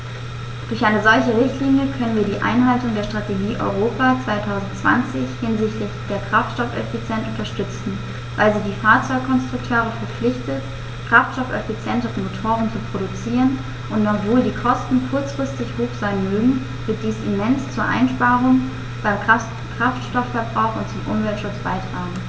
Durch eine solche Richtlinie können wir die Einhaltung der Strategie Europa 2020 hinsichtlich der Kraftstoffeffizienz unterstützen, weil sie die Fahrzeugkonstrukteure verpflichtet, kraftstoffeffizientere Motoren zu produzieren, und obwohl die Kosten kurzfristig hoch sein mögen, wird dies immens zu Einsparungen beim Kraftstoffverbrauch und zum Umweltschutz beitragen.